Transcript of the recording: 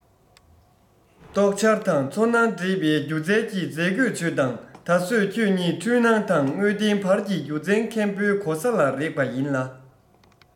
རྟོག འཆར དང ཚོར སྣང འདྲེས པའི སྒྱུ རྩལ གྱི མཛེས བཀོད བྱོས དང ད བཟོད ཁྱོད ཉིད འཁྲུལ སྣང དང དངོས བདེན བར གྱི སྒྱུ རྩལ མཁན པོའི གོ ས ལ རེག པ ཡིན ལ